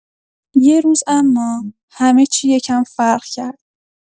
یه روز اما، همه چی یه کم فرق کرد.